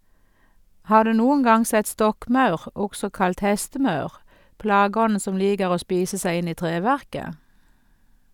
Har du noen gang sett stokkmaur, også kalt hestemaur, plageånden som liker å spise seg inn i treverket?